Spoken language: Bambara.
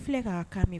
Filɛ k'a ka minɛ